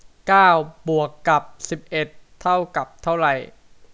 เก้าบวกกับสิบเอ็ดเท่ากับเท่าไร